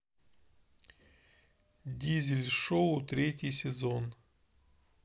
дизель шоу третий сезон